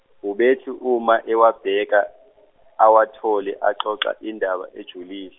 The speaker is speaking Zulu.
ubethi uma ewabheka , awathole axoxa indaba ejulile.